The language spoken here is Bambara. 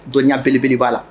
Dɔnniya belebele b'a la.